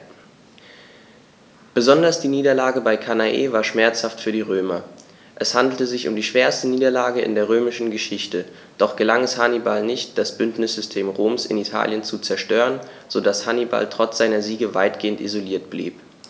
Besonders die Niederlage bei Cannae war schmerzhaft für die Römer: Es handelte sich um die schwerste Niederlage in der römischen Geschichte, doch gelang es Hannibal nicht, das Bündnissystem Roms in Italien zu zerstören, sodass Hannibal trotz seiner Siege weitgehend isoliert blieb.